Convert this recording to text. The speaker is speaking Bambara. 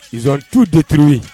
Norituu dettiriuru